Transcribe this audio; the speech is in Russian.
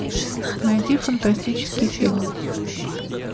найди фантастический фильм